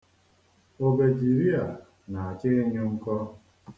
Obejiri a na-achọ ịnyụ nkọ.